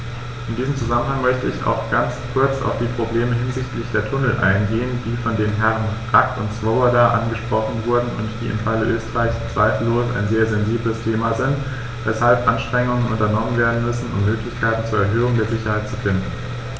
In diesem Zusammenhang möchte ich auch ganz kurz auf die Probleme hinsichtlich der Tunnel eingehen, die von den Herren Rack und Swoboda angesprochen wurden und die im Falle Österreichs zweifellos ein sehr sensibles Thema sind, weshalb Anstrengungen unternommen werden müssen, um Möglichkeiten zur Erhöhung der Sicherheit zu finden.